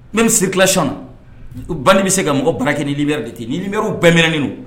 N bɛ siri kilati na bange min bɛ se ka mɔgɔ bara kɛ ni'i bɛ de ten ni bɛ bɛɛminen